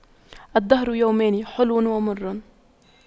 الدهر يومان حلو ومر